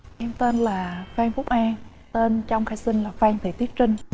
em tên là phan quốc an tên trong khai sinh là phan thị tuyết trinh